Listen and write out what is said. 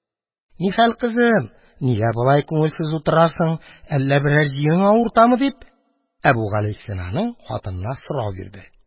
Нихәл, кызым, нигә болай күңелсез утырасың, әллә берәр җирең авыртамы? – дип, Әбүгалисина хатынына сорау бирде.